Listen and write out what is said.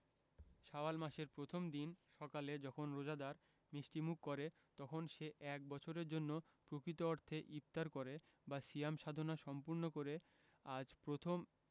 শাওয়াল মাসের প্রথম দিন সকালে যখন রোজাদার মিষ্টিমুখ করে তখন সে এক বছরের জন্য প্রকৃত অর্থে ইফতার করে বা সিয়াম সাধনা সম্পূর্ণ করে আজ প্রথম